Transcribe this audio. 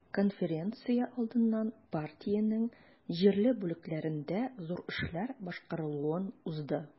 Конференция алдыннан партиянең җирле бүлекләрендә зур эшләр башкарылуын узды.